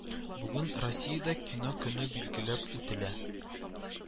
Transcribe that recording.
Бүген Россиядә Кино көне билгеләп үтелә